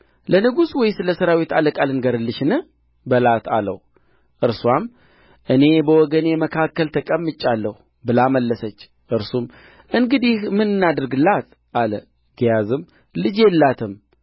ሎሌውንም ግያዝን ይህችን ሱነማዊት ጥራ አለው በጠራትም ጊዜ በፊቱ ቆመች እርሱም እነሆ ይህን ሁሉ አሳብ አሰብሽልኝ አሁንስ ምን ላድርግልሽ